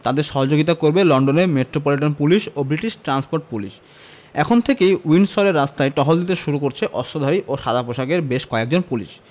তাঁদের সহযোগিতা করবে লন্ডনের মেট্রোপলিটন পুলিশ ও ব্রিটিশ ট্রান্সপোর্ট পুলিশ এখন থেকেই উইন্ডসরের রাস্তায় টহল দিতে শুরু করেছে অস্ত্রধারী ও সাদাপোশাকের বেশ কয়েকজন পুলিশ